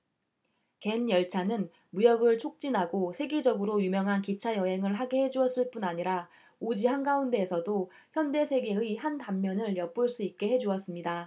갠 열차는 무역을 촉진하고 세계적으로 유명한 기차 여행을 하게 해 주었을 뿐 아니라 오지 한가운데에서도 현대 세계의 한 단면을 엿볼 수 있게 해 주었습니다